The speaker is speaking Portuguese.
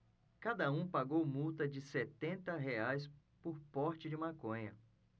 cada um pagou multa de setenta reais por porte de maconha